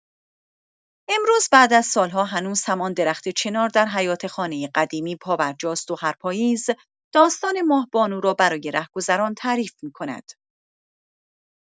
امروز، بعد از سال‌ها، هنوز هم آن درخت چنار در حیاط خانه قدیمی پابرجاست و هر پاییز، داستان ماه‌بانو را برای رهگذران تعریف می‌کند.